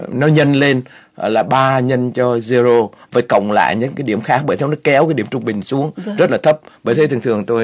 nó nhân lên là ba nhân cho ria lô với cộng lại những điểm khác biệt vậy nó kéo điểm trung bình xuống rất là thấp bởi thế thường thường tôi